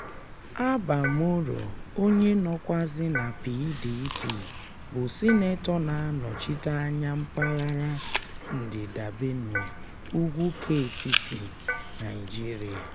Abba Moro, onye nọkwazị na PDP, bụ sinetọ na-anọchite anya mpaghara Ndịda Benue, ugwu keetiti Naịjirịa.